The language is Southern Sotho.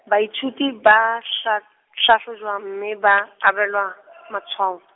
baithuti ba a hla-, hlahlojwa, mme ba abelwa, matshwao.